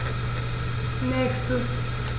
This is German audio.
Nächstes.